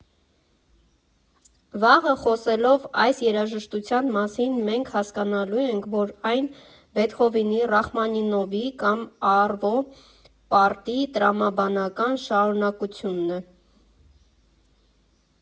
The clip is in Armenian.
Վաղը, խոսելով այս երաժշտության մասին, մենք հասկանալու ենք, որ այն Բեթհովենի, Ռախմանինովի կամ Առվո Պառտի տրամաբանական շարունակությունն է։